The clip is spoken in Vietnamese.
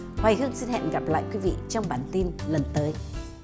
mai hương xin hẹn gặp lại quý vị trong bản tin lần tới